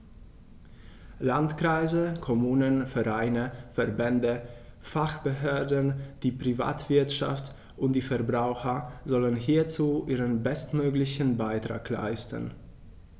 Landkreise, Kommunen, Vereine, Verbände, Fachbehörden, die Privatwirtschaft und die Verbraucher sollen hierzu ihren bestmöglichen Beitrag leisten.